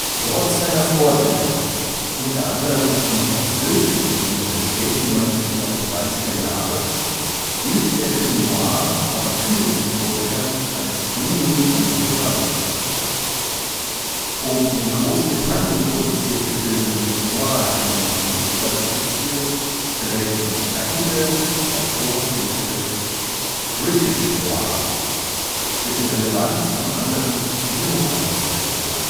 Trotz seiner Vorbilder u. a. im französischen Kino der späten 1930er Jahre gilt der Film noir aber vielen Historikern als genuin amerikanisch. (Um in Großbritannien produzierte Filme mit Noir-Elementen zu klassifizieren, prägten einige Autoren den Begriff „ British noir “, dessen Relevanz von anderen wiederum angezweifelt wurde